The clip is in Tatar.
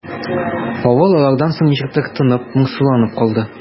Авыл алардан соң ничектер тынып, моңсуланып калды.